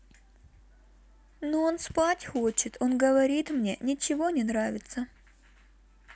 ну он спать хочет он говорит мне ничего не нравится